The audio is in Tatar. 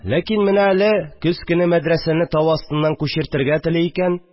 Әкин менә әле, көз көне мәдрәсәне тау астыннан күчертергә тели икән